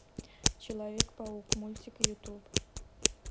человек паук мультик ютуб